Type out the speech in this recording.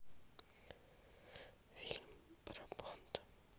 фильм про бонда